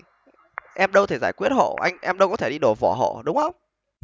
em đâu thể giải quyết hộ em đâu thể đi đổ vỏ hộ đúng hông